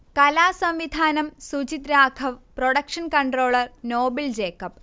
കലാസംവിധാനം Sujith Raghav, production controller Noble Jacob